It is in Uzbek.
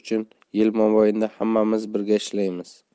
uchun yil mobaynida hammamiz birga ishlaymiz